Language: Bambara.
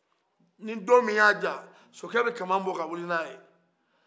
ni do min ye a diya sokɛ bɛ kama bɔ ka wili ni a ye